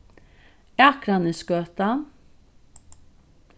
akranesgøta